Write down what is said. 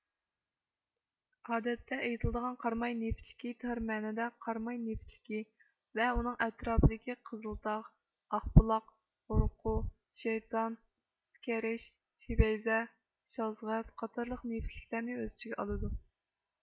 ئادەتتە ئېيتىلدىغان قاراماي نېفىتلىكى تار مەنىدە قاراماي نېفىتلىكى ۋە ئۇنىڭ ئەتراپىدىكى قىزىلتاغ ئاقبۇلاق ئۇرقۇ شەيتان كەرش چېپەيزە شازغەت قاتارلىق نېفىتلىكلەرنى ئۆز ئىچىگە ئالىدۇ